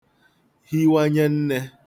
hiwanye nnē